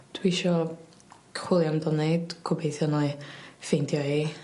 Dwi isio chwili amdani d- gobeithio wnâi ffeindio hi.